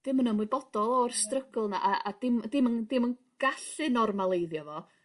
ddim yn ymwybodol o'r strygl 'na a a dim dim yn dim yn gallu normaleiddio fo